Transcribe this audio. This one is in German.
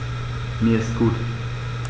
Mir ist gut.